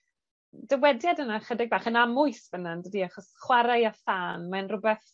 dywediad yna chydig bach yn amwys fyna on'd ydi achos chwarae a thân, maen rwbeth